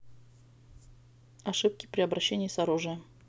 ошибки при обращении с оружием